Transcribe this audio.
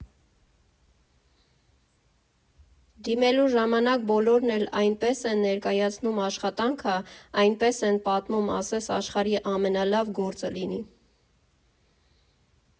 Դիմելու ժամանակ բոլորն էլ այնպես են ներկայացնում աշխատանքը, այնպես են պատմում՝ ասես աշխարհի ամենալավ գործը լինի։